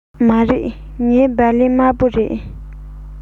མ རེད ངའི སྦ ལན དམར པོ རེད